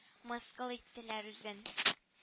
– мыскыл иттеләр үзен